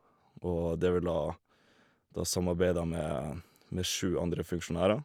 Og det vil da da samarbeider jeg med med sju andre funksjonærer.